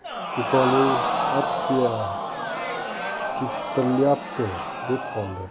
past defoliatsiya kechiktirilyapti deb qoldi